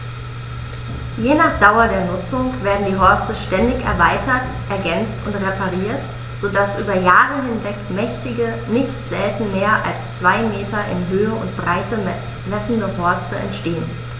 Je nach Dauer der Nutzung werden die Horste ständig erweitert, ergänzt und repariert, so dass über Jahre hinweg mächtige, nicht selten mehr als zwei Meter in Höhe und Breite messende Horste entstehen.